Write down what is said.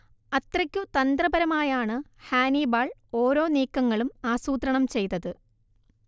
അത്രയ്ക്കു തന്ത്രപരമായാണ് ഹാനിബാൾ ഒരോ നീക്കങ്ങളും ആസൂത്രണം ചെയ്തത്